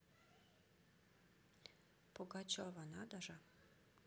пугачева надо же